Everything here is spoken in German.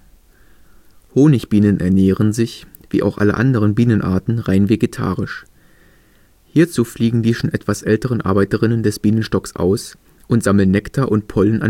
Honigbienen ernähren sich, wie auch alle anderen Bienenarten, rein vegetarisch. Hierzu fliegen die schon etwas älteren Arbeiterinnen des Bienenstocks aus und sammeln Nektar und Pollen